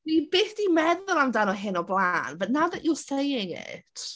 Fi byth 'di meddwl amdano hyn o'r blaen but now that you're saying it...